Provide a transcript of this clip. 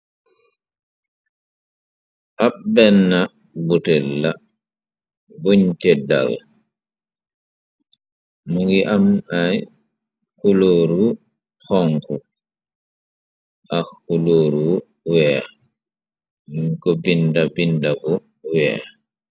Ab benna butel la buñ teddaru mu ngi am ay ku lóoru xonku ax ku lóoru weex ni ko binda binda bu weex.